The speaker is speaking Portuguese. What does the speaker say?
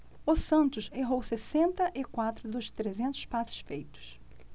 o santos errou sessenta e quatro dos trezentos passes feitos